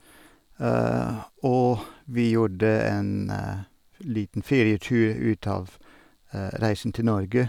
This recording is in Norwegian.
Og vi gjorde en f liten ferietur ut av reisen til Norge.